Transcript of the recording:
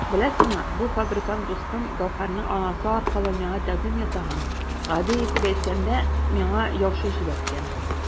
Беләсеңме, бу фабрикант дустым Гәүһәрнең анасы аркылы миңа тәкъдим ясаган, гади итеп әйткәндә, миңа яучы җибәрткән!